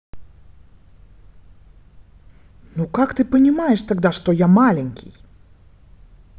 ну как ты понимаешь когда то что я маленький